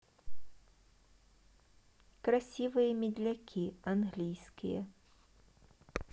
красивые медляки английские